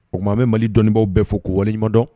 O tuma bɛ mali dɔnniibaa bɛɛ fo ko waleɲuman dɔn